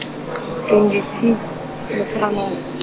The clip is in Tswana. twenty six, Motshegang .